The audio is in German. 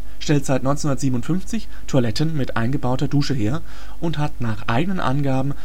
Toiletten mit eingebauter Dusche her und hat nach eigenen Angaben